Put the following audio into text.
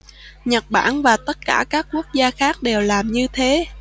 nhật bản và tất cả các quốc gia khác đều làm như thế